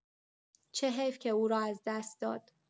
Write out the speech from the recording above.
چه حیف که او را از دست داد!